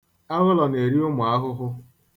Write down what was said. Aghụlọ na-eri ụmụ ahụhụ.